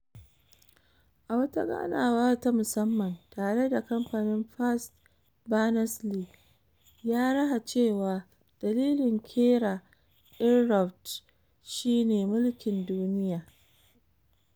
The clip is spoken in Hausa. A wata ganawa ta musamman tare da kamfanin Fast, Berners-Lee ya raha cewa, dalilin kera Inrupt shi ne "mulkin duniya."